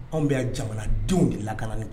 Anw bɛ jamanadenw de lak kan